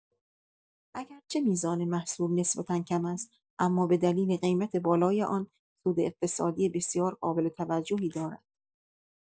اگرچه میزان محصول نسبتا کم است، اما به دلیل قیمت بالای آن، سود اقتصادی بسیار قابل‌توجهی دارد.